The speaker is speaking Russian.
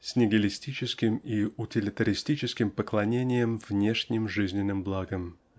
с нигилистическим и утилитаристическим поклонением внешним жизненным благам.